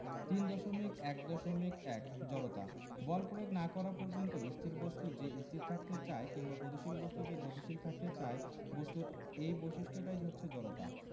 ৩.১.১ জড়তা বল প্রয়োগ না করা পর্যন্ত স্থির বস্তু যে স্থির থাকতে চায় কিংবা গতিশীল বস্তু যে গতিশীল থাকতে চায় বস্তুর এই বৈশিষ্ট্যটাই হচ্ছে জড়তা